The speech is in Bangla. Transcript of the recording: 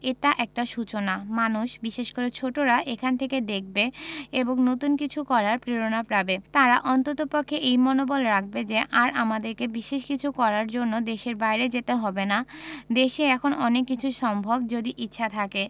এটা একটা সূচনা মানুষ বিশেষ করে ছোটরা এখান থেকে দেখবে এবং নতুন কিছু করার প্রেরণা পাবে তারা অন্ততপক্ষে এই মনোবল রাখবে যে আর আমাদেরকে বিশেষ কিছু করার জন্য দেশের বাইরে যেতে হবে না দেশেই এখন অনেক কিছু সম্ভব যদি ইচ্ছা থাকে